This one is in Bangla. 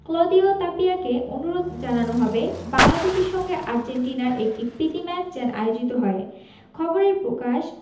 ক্লদিও তাপিয়াকে অনুরোধ জানানো হবে বাংলাদেশের সঙ্গে আর্জেন্টিনার একটি প্রীতি ম্যাচ যেন আয়োজিত হয় খবরে প্রকাশ